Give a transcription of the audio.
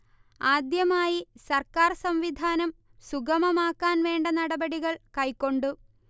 ആദ്യമായി സർക്കാർ സംവിധാനം സുഗമമാക്കാൻ വേണ്ട നടപടികൾ കൈക്കൊണ്ടു